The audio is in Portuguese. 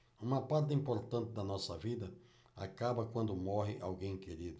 uma parte importante da nossa vida acaba quando morre alguém querido